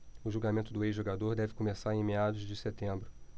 o julgamento do ex-jogador deve começar em meados de setembro